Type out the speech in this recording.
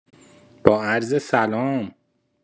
با عرض سلام.